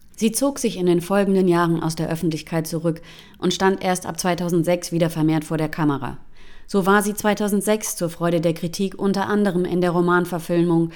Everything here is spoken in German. Sie zog sich in den folgenden Jahren aus der Öffentlichkeit zurück und stand erst ab 2006 wieder vermehrt vor der Kamera. So war sie 2006 zur Freude der Kritik unter anderem in der Romanverfilmung